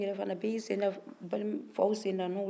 olu fana bɛɛ y'i sen da faw senda nɔ na